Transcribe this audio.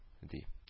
Ди